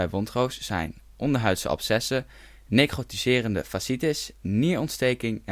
wondroos zijn: onderhuidse abcessen, ' necrotiserende fasciitis ', nierontsteking